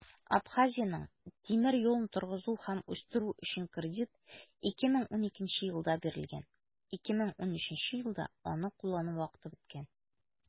Абхазиянең тимер юлын торгызу һәм үстерү өчен кредит 2012 елда бирелгән, 2013 елда аны куллану вакыты беткән.